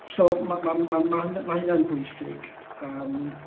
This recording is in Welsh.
So ma' ma' ma' ma' hynna ma' hynna'n bwysig yym.